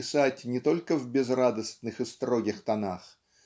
писать не только в безрадостных и строгих тонах